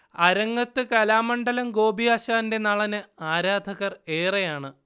അരങ്ങത്ത് കലാമണ്ഡലം ഗോപിയാശാന്റെ നളന് ആരാധകർ ഏറെയാണ്